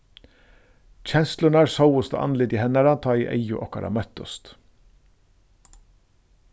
kenslurnar sóust á andliti hennara tá ið eygu okkara møttust